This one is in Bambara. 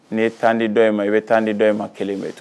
N'i ye tan di dɔ in ma i bɛ taa di dɔ in ma kelen bɛ yen to